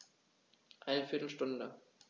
Eine viertel Stunde